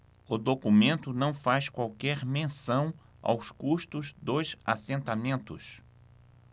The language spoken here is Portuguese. o documento não faz qualquer menção aos custos dos assentamentos